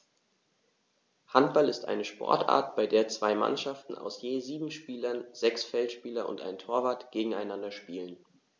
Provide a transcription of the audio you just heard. Handball ist eine Sportart, bei der zwei Mannschaften aus je sieben Spielern (sechs Feldspieler und ein Torwart) gegeneinander spielen.